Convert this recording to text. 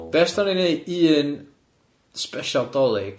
Be os da ni'n neud un sbesial Dolig?